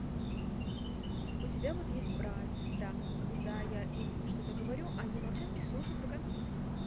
у тебя вот есть сестра брат когда я им что то говорю они молчат и слушают до конца